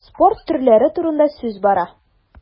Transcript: Спорт төрләре турында сүз бара.